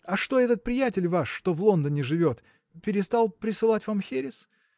А что этот приятель ваш, что в Лондоне живет. перестал присылать вам херес?